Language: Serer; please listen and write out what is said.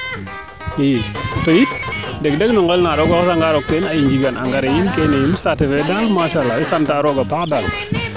i to yit no ngel na roog deg deg o xesa nga rok teen ay njingan engrais yiin keene yiin saate fe daal machala i sant a rooga paax daal